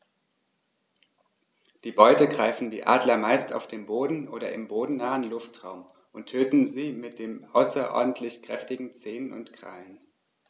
Die Beute greifen die Adler meist auf dem Boden oder im bodennahen Luftraum und töten sie mit den außerordentlich kräftigen Zehen und Krallen.